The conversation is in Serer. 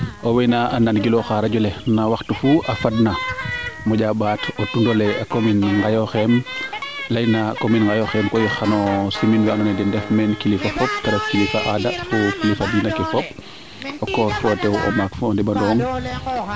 owey na a nangilooxa radio Diarekh no waxtu fuu fadna moƴa mbaat o tundole commune Ngayokheme leyna commune Ngayokheme koy xano simin we ando naye den ndef meen kilifa fop te ref kilifa ada fo kilifa diine ke fop o koor fo o tew o maak fo o neɓanong